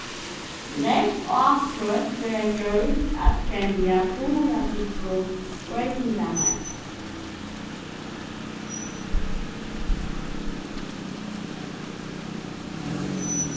nógv átøk verða gjørd at fremja burðardyggu broytingarnar